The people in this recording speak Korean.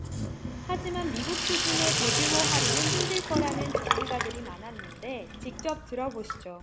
하지만 미국 수준의 대규모 할인은 힘들 거라는 전문가들이 많았는데 직접 들어보시죠